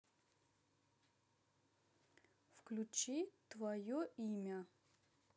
включи твое имя